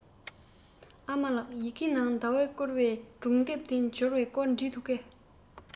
ཨ མ ལགས ཡི གེ ནང ཟླ བས བསྐུར བའི སྒྲུང དེབ དེ འབྱོར བའི སྐོར བྲིས འདུག གས